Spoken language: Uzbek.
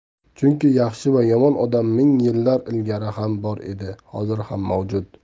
chunki yaxshi va yomon odam ming yillar ilgari ham bor edi hozir ham mavjud